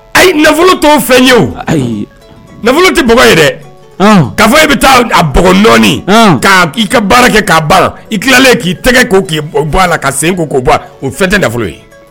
Ayi nafolo tɔw fɛn ye o ayi nafolo tɛ baga ye dɛ ka fɔ e bɛ taa nɔɔni i ka baara kɛ k' baara i tilalen k'i tɛgɛ ko k' la ka sen ko'o o fɛn tɛ nafolo ye